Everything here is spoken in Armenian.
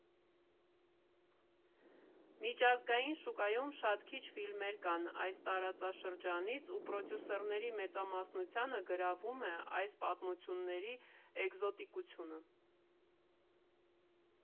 Միջազգային շուկայում շատ քիչ ֆիլմեր կան այս տարածաշրջանից և պրոդյուսերների մեծամասնությանը գրավում է այս պատմությունների «էկզոտիկությունը»։